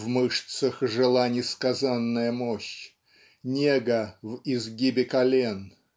В мышцах жила несказанная мощь, Нега в изгибе колен